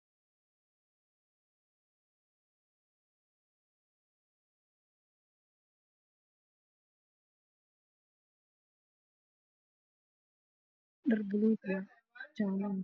Beeshan waa qol cagaar ah waxaana ku dhex jira arday badan iyo macallin qolka dharkiisa waa cagaar macalinkana waa raadkiisa waalid sarwaalka waa caddaan waa jaalle iyo buluug